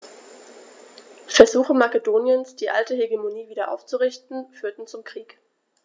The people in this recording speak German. Versuche Makedoniens, die alte Hegemonie wieder aufzurichten, führten zum Krieg.